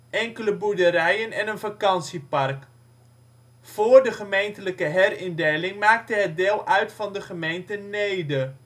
enkele boerderijen en een vakantiepark. Voor de gemeentelijke herindeling maakte het deel uit van de gemeente Neede